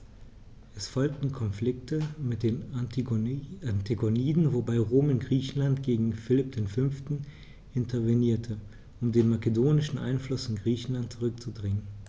Es folgten Konflikte mit den Antigoniden, wobei Rom in Griechenland gegen Philipp V. intervenierte, um den makedonischen Einfluss in Griechenland zurückzudrängen.